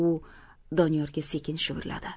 u doniyorga sekin shivirladi